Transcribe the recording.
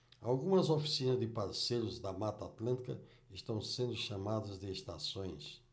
algumas oficinas de parceiros da mata atlântica estão sendo chamadas de estações